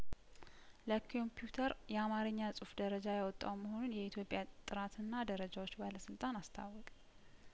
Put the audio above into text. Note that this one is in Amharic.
ለኮምፒዩተር የአማርኛ ጽሁፍ ደረጃ ያወጣው መሆኑን የኢትዮጵያ የጥራትና ደረጃዎች ባለስልጣን አስታወቅ